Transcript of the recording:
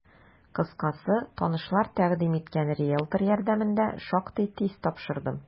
Кыскасы, танышлар тәкъдим иткән риелтор ярдәмендә шактый тиз тапшырдым.